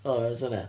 Fel 'na mae'n swnio.